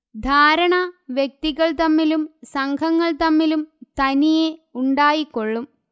ധാരണ വ്യക്തികൾ തമ്മിലും സംഘങ്ങൾ തമ്മിലും തനിയേ ഉണ്ടായിക്കൊള്ളും